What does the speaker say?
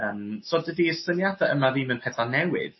Yym so dydi y syniade yma ddim yn petha newydd